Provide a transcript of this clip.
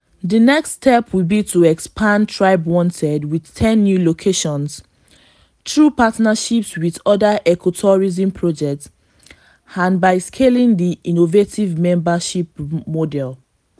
The next step will be to expand TribeWanted with 10 new locations, through partnerships with other eco-tourism projects and by scaling the innovative membership model.